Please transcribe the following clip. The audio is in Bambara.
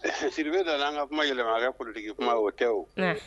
Siribe nana an ka kuma yɛlɛma ka kɛ politique kuma ye o tɛ wo.